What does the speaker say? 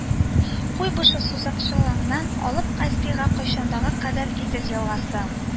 Куйбышев сусаклагычыннан алып Каспийга койганчыга кадәр Идел елгасы